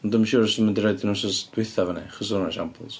Ond dwi'm yn siŵr os dwi'n mynd i roid un wythnos dwytha fyny, achos oedd hwnna'n siambls.